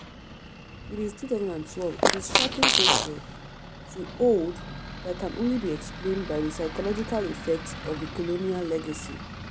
It is 2012, it is shocking posture to hold that can only be explained by the psychological effects of the colonial legacy.